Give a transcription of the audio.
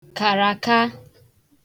kàràākā